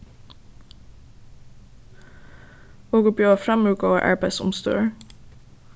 vit bjóða framúr góðar arbeiðsumstøður